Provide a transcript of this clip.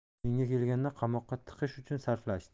menga kelganda qamoqqa tiqish uchun sarflashdi